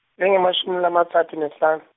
lengemashumi lamatsatfu nesihlan-.